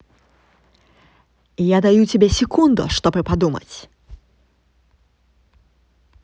я тебе даю секунду чтобы подумать